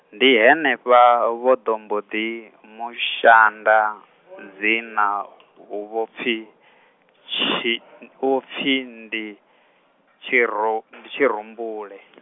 ndi henefha vho ḓo mbo ḓi musanda dzina u vho pfi tshi, u vho pfi ndi Tshiru- ndi Tshirumbule.